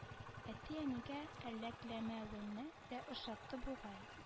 Әти-әнигә әләкләмәвемне дә ошатты бугай